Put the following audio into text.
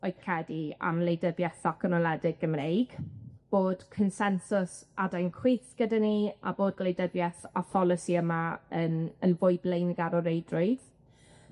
o'u credu am wleidyddieth ddatganoledig Gymreig, bod consensws adain chwith gyda ni a bod gwleidyddieth a pholisi yma yn yn fwy blaengar o reidrwydd